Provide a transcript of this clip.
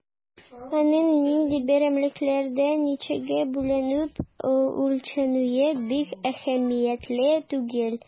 Аның нинди берәмлекләрдә, ничәгә бүленеп үлчәнүе бик әһәмиятле түгел.